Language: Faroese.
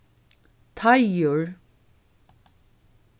teigur